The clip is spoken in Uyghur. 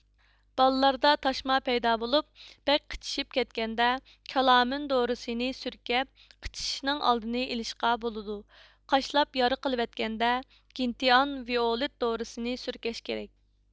بالىلاردا تاشما پەيدا بولۇپ بەك قىچىشىپ كەتكەندە كالامىن دورىسىنى سۈركەپ قىچىشىشنىڭ ئالدىنى ئېلىشقا بولىدۇ قاشلاپ يارا قىلىۋەتكەندە گېنتىئان ۋىئولېت دورىسنى سۈركەش كېرەك